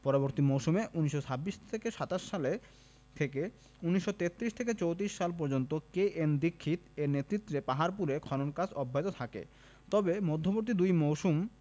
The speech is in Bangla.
পরবর্তী মৌসুম ১৯২৬ ২৭ থেকে ১৯৩৩ ৩৪ সাল পর্যন্ত কে.এন দীক্ষিত এর নেতৃত্বে পাহাড়পুরে খনন কাজ অব্যাহত থাকে তবে মধ্যবর্তী দুই মৌসুম